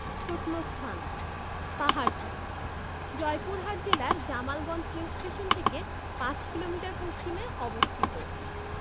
প্রত্নস্থানঃ পাহাড়পুর জয়পুরহাট জেলার জামালগঞ্জ রেলস্টেশন থেকে ৫ কিলোমিটার পশ্চিমে অবস্থিত